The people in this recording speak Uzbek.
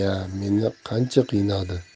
ya meni qancha qiynadi